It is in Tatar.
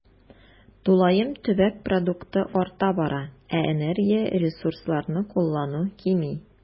Тулаем төбәк продукты арта бара, ә энергия, ресурсларны куллану кими.